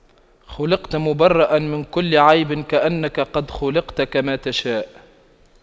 خلقت مُبَرَّأً من كل عيب كأنك قد خُلقْتَ كما تشاء